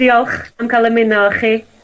Diolch am ca'l ymuno â chi.